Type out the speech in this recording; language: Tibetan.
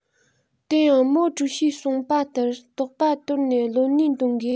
དེ ཡང མའོ ཀྲུའུ ཞིས གསུངས པ ལྟར དོགས པ དོར ནས བློ ནུས འདོན དགོས